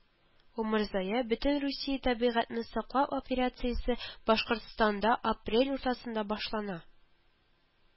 Умырзая Бөтенрусия табигатьне саклау операциясе Башкортстанда апрель уртасында башлана